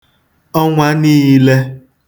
ọnwa niīlē